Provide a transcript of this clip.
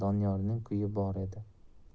doniyorning kuyi bor edi